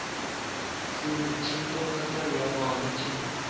suvni chim to'xtatar yolg'onni chin